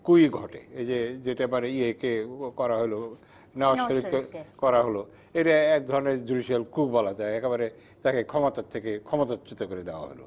ক্যুই ঘটে এই যে যেটা বারেই ইয়েকে করা হলো নওশেরকে করা হলো এটা এক ধরনের জুডিশিয়াল ক্যু বলা যায় একেবারে তাকে ক্ষমতা থেকে ক্ষমতাচ্যুত করে দেয়া হলো